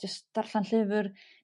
jyst jyst darllan llyfyr.